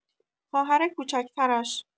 خواهر کوچک‌ترش